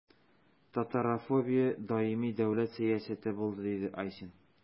Татарофобия даими дәүләт сәясәте булды, – ди Айсин.